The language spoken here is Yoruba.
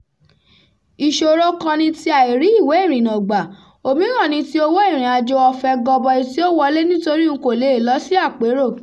Ìṣòro kan ni ti àìrí ìwé ìrìnnà gbà, òmíràn ni ti owó ìrìnàjò ọ̀fẹ́ gọbọi tí ó wọlẹ̀ nítori n kò le è lọ si àpérò.